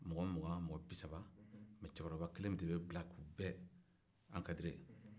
mɔgɔ mugan mɔgɔ bisaba mɛ cɛkɔrɔba kelen de bɛ bila k'u bɛɛ ankadere